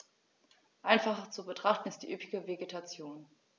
Einfacher zu betrachten ist die üppige Vegetation.